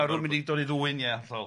...a rywun mynd i dod i ddwyn, ia, hollol.